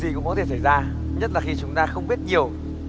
gì cũng có thể xảy ra nhất là khi chúng ta không biết nhiều